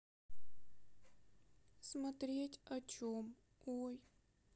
смотреть о чем ой